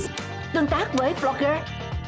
tương tác với bờ lóc gơ